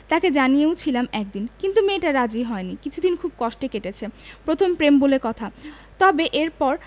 তাকে জানিয়েছিলামও একদিন কিন্তু মেয়েটা রাজি হয়নি কিছুদিন খুব কষ্টে কেটেছে প্রথম প্রেম বলে কথা তবে এরপর